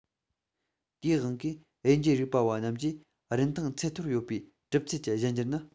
དེའི དབང གིས དབྱེ འབྱེད རིག པ བ རྣམས ཀྱིས རིན ཐང ཚད མཐོར ཡོད པའི གྲུབ ཚུལ གྱི གཞན འགྱུར ནི